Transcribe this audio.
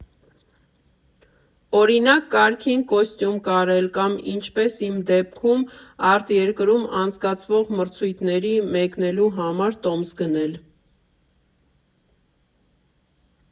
Օրինակ, կարգին կոստյում կարել, կամ, ինչպես իմ դեպքում, արտերկրում անցկացվող մրցույթների մեկնելու համար տոմս գնել։